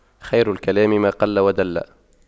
خير الكلام ما قل ودل